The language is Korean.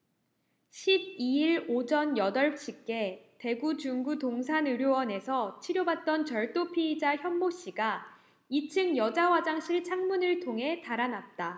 십 이 일 오전 여덟 시께 대구 중구 동산의료원에서 치료받던 절도 피의자 현모씨가 이 층 여자 화장실 창문을 통해 달아났다